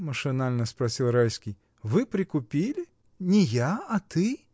— машинально спросил Райский, — вы прикупили? — Не я, а ты!